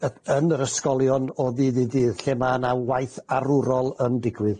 y- yn yr ysgolion o ddydd i ddydd lle ma' 'na waith arwrol yn digwydd.